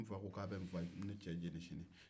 n fa ko k'a bɛ n faa n ni n cɛ jeni sini